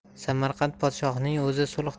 samarqand podshohining o'zi